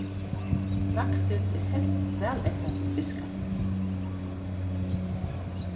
lakssild er helst vælegnað til fiskamjøl